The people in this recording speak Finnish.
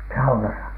saunassa